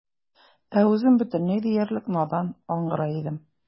Ә үзем бөтенләй диярлек надан, аңгыра идем.